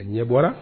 A ɲɛ bɔra